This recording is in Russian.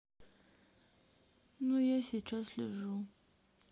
но я сейчас лежу